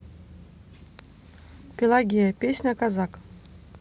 пелагея песня казак